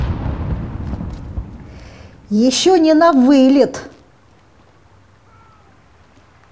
еще не навылет